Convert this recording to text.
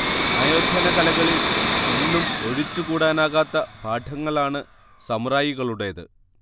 ആയോധന കലകളിൽ ഇന്നും ഒഴിച്ചുകൂടാനാകാത്ത പാഠങ്ങളാണ് സമുറായികളുടേത്